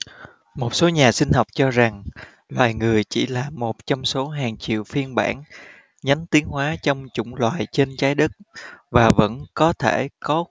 một số nhà sinh học cho rằng loài người chỉ là một trong số hàng triệu phiên bản nhánh tiến hóa trong chủng loài trên trái đất và vẫn có thể có